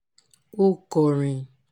Ó kọrin: